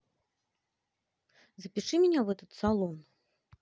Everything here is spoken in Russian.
запиши меня в этот салон